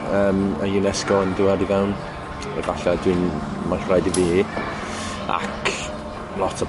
yym y UNESCO yn dwad i fewn efalle dwi'n ma'n rhaid i fi ac lot o